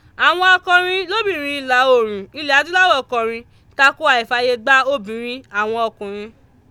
Àwọn akọrin lóbìnrin Ìlà Oòrùn Ilẹ̀ Adúláwọ̀ kọrin tako àìfààyè gba obìnrin àwọn ọkùnrin.